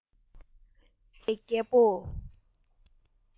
བྱིས བློ མ ཡལ བའི རྒད པོ